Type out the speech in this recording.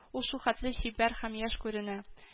Ул шулхәтле чибәр һәм яшь күренә